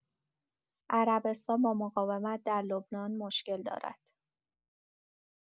عربستان با مقاومت در لبنان مشکل دارد.